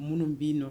Minnu b'i nɔ